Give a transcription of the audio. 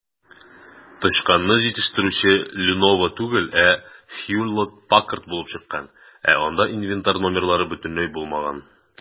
Тычканны җитештерүче "Леново" түгел, ә "Хьюлетт-Паккард" булып чыккан, ә анда инвентарь номерлары бөтенләй булмаган.